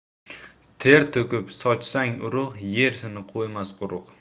ter to'kib sochsang urug' yer seni qo'ymas quruq